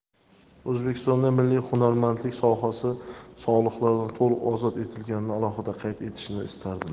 o'zbekistonda milliy hunarmandlik sohasi soliqlardan to'liq ozod etilganini alohida qayd etishni istardim